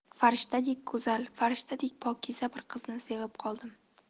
farishtadek go'zal farishtadek pokiza bir qizni sevib qoldim